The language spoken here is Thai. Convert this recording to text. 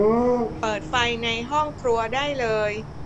เปิดไฟในห้องครัวได้เลย